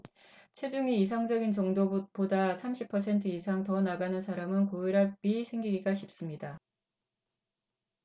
체중이 이상적인 정도보다 삼십 퍼센트 이상 더 나가는 사람은 고혈압이 생기기가 쉽습니다